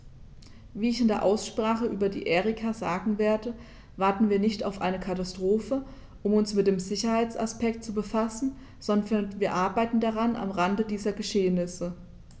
Wie ich in der Aussprache über die Erika sagen werde, warten wir nicht auf eine Katastrophe, um uns mit dem Sicherheitsaspekt zu befassen, sondern wir arbeiten daran am Rande dieser Geschehnisse.